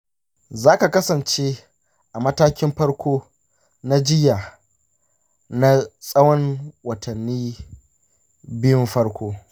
za ka kasance a matakin farko na jinya na tsawon watanni biyun farko.